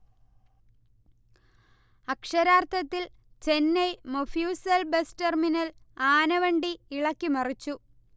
അക്ഷരാർഥത്തിൽ Chennai mofussil bus terminal ആനവണ്ടി ഇളക്കി മറിച്ചു